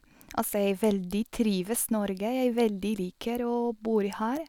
Og så jeg veldig trives Norge, jeg veldig liker å bor her.